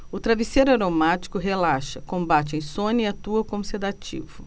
o travesseiro aromático relaxa combate a insônia e atua como sedativo